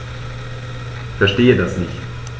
Verstehe das nicht.